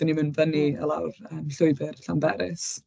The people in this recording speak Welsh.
Dan ni'n mynd fyny a lawr yym llwybr Llanberis.